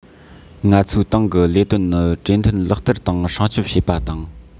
ང ཚོའི ཏང གི ལས དོན ནི གྲོས མཐུན ལག བསྟར དང སྲུང སྐྱོང བྱེད པ དང